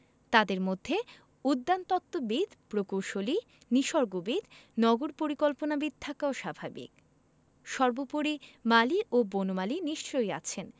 তাদের মধ্যে উদ্যানতত্ত্ববিদ প্রকৌশলী নিসর্গবিদ নগর পরিকল্পনাবিদ থাকাও স্বাভাবিক সর্বোপরি মালি ও বনমালী নিশ্চয়ই আছেন